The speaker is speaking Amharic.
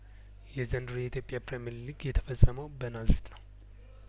የዘንድሮው የኢትዮጵያ ፕሪምየር ሊግ የተፈጸመው በናዝሬት ነው